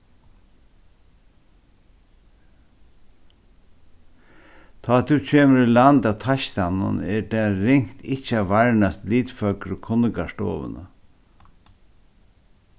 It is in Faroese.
tá tú kemur í land av teistanum er tað ringt ikki at varnast litføgru kunningarstovuna